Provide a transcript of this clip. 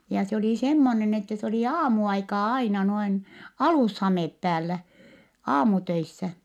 ja se oli semmoinen että se oli aamuaikaan aina noin alushame päällä aamutöissä